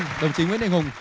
đồng chí nguyễn đình hùng